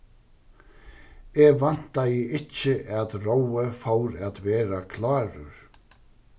eg væntaði ikki at rói fór at verða klárur